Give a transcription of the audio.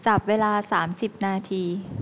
จับเวลาสามสิบนาที